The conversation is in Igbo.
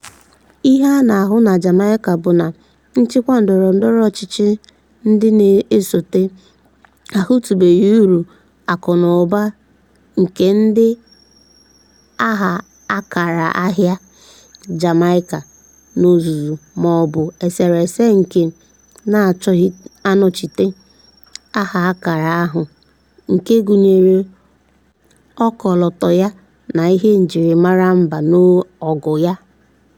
Ihe a na-ahụ na Jamaica bụ na nchịkwa ndọrọ ndọrọ ọchịchị ndị na-esote ahụtụbeghi uru akụ na ụba nke dị n'aha ákàrà ahịa "Jamaica" n'ozuzu ma ọ bụ eserese nke [na-anọchite] aha ákàrà ahụ nke gụnyere ọkọlọtọ ya na ihe njirimara mba n'ọgụ ya.